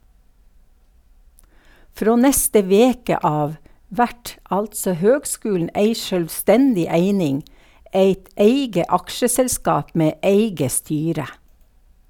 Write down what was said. Frå neste veke av vert altså høgskulen ei sjølvstendig eining, eit eige aksjeselskap med eige styre.